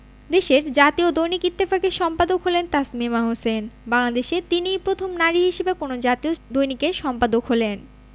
দেশের জাতীয় দৈনিক ইত্তেফাকের সম্পাদক হলেন তাসমিমা হোসেন বাংলাদেশে তিনিই প্রথম নারী হিসেবে কোনো জাতীয় দৈনিকের সম্পাদক হলেন